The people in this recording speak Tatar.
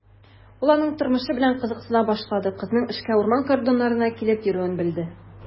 Ул аның тормышы белән кызыксына башлады, кызның эшкә урман кордоныннан килеп йөрүен белде.